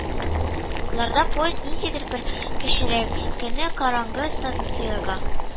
Ларда поезд ниндидер бер кечерәк кенә караңгы станцияга